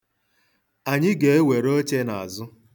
Anyị ga-ewere oche n'azụ.